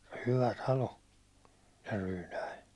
hyvä talo se Ryynä